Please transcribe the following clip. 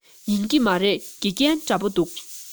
ཡིན གྱི མ རེད དགེ རྒན འདྲ པོ འདུག